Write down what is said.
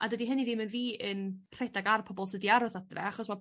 A dydy hynny ddim yn fi yn rhedeg ar pobol sy 'di aros adra achos ma'